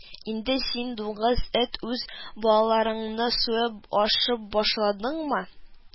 Инде син, дуңгыз, эт, үз балаларыңны суеп ашый башладыңмы